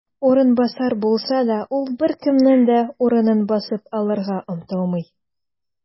"урынбасар" булса да, ул беркемнең дә урынын басып алырга омтылмый.